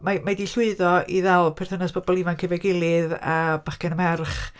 Mae mae 'di llwyddo i ddal perthynas pobl ifanc efo'i gilydd a bachgen a merch.